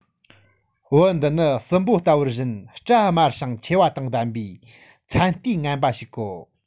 བུ འདི ནི སྲིན པོ ལྟ བུར བཞིན དང སྐྲ དམར ཞིང མཆེ བ དང ལྡན པའི མཚན ལྟས ངན པ ཞིག གོ